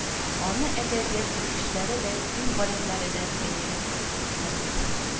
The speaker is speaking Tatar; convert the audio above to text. Аны әдәбият белгечләре дә, дин галимнәре дә бәяләп бетерми